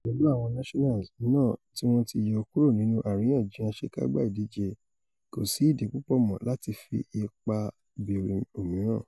Pẹ̀lú Àwọn Nationals náà tíwọ́n ti yọ kuro nínú àríyànjiyàn àṣekágbá ìdíje, kòsí ìdí púpọ̀ mọ́ láti fi ipá bẹ̀rẹ̀ òmíràn.